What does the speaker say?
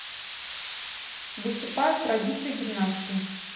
выступают традиции гимнастки